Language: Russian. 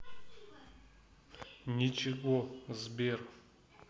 ничего сбер